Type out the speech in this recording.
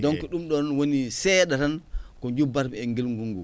donc ɗum ɗoon woni seeɗa tan ko jubbatmi e ngilngu nguu